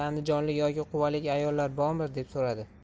andijonlik yoki quvalik ayollar bormi deb so'radi